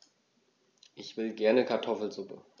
Ich will gerne Kartoffelsuppe.